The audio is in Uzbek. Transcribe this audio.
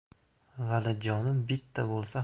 valijonim bitta bo'lsa